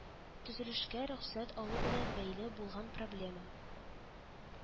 Төзелешкә рөхсәт алу белән бәйле булган проблема